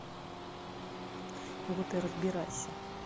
вот и разбирайся